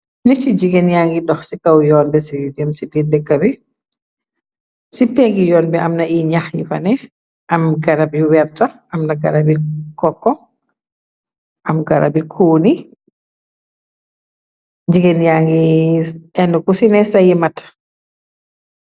Nit ci jigéen yaang yi dox ci kaw yoon bi si yem ci bi dekka bi ci peggi yoon bi amna i ñax yi fane am garab yu werta amna garabi kokko am garabi cuuni jigéen yaang yi ennd ku ci ne sayi mat.